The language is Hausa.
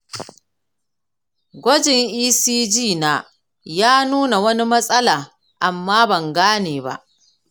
gwajin ecg na ya nuna wani matsala amma ban gane ba.